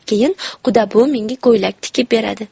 keyin quda buvi menga ko'ylak tikib beradi